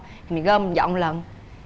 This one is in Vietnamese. mình gom mình dọn lần